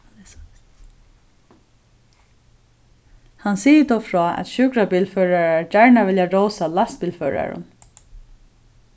hann sigur tó frá at sjúkrabilførarar gjarna vilja rósa lastbilførarum